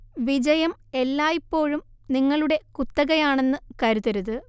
വിജയം എല്ലായ്പ്പോഴും നിങ്ങളുടെ കുത്തകയാണെന്ന് കരുതരുത്